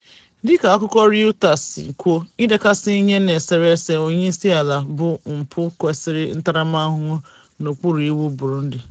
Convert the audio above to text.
Dịka akụkọ Reuters si kwuo, idekasị ihe [n'eserese onyeisiala] bụ mpụ kwesịrị ntaramahụhụ n'okpuru iwu Burundi.